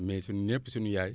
mais sunu ñépp sunu yaay